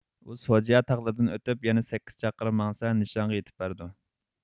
ئۇ سوجيا تاغلىرىدىن ئۆتۈپ يەنە سەككىز چاقىرىم ماڭسا نىشانغا يېتىپ بارىدۇ